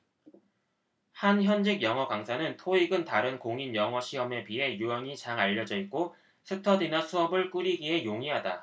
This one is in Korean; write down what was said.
한 현직 영어강사는 토익은 다른 공인영어시험에 비해 유형이 잘 알려져 있고 스터디나 수업을 꾸리기에 용이하다